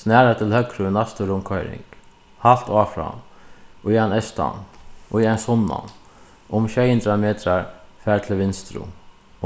snara til høgru í næstu rundkoyring halt áfram í ein eystan í ein sunnan um sjey hundrað metrar far til vinstru